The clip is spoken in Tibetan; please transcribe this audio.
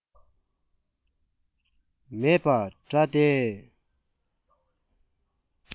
མེད པ འདྲ སྟེ